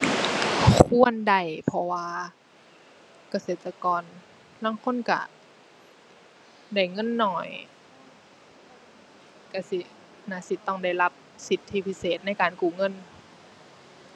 ควรได้ เพราะว่าเกษตรกรลางคนก็ได้เงินน้อย ก็สิน่าสิต้องได้รับสิทธิพิเศษในการกู้เงิน